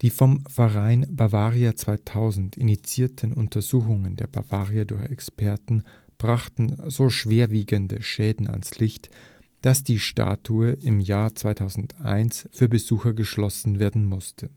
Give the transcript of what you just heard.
vom Verein Bavaria 2000 initiierten Untersuchungen der Bavaria durch Experten brachten so schwerwiegende Schäden ans Licht, dass die Statue im Jahr 2001 für Besucher geschlossen werden musste